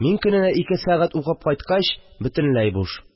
Мин көненә ике сәгать укып кайткач бөтенләй буш